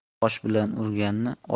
tosh bilan urganni